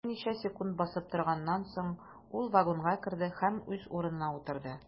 Берничә секунд басып торганнан соң, ул вагонга керде һәм үз урынына утырды.